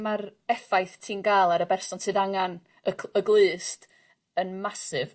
ma'r effaith ti'n ga'l ar y berson sydd angan y c- y glust yn masif